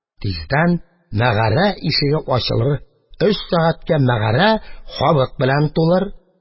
Тиздән мәгарә ишеге ачылыр, өч сәгатькә мәгарә халык белән тулыр.